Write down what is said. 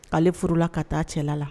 K'ale furula ka taa a cɛla la.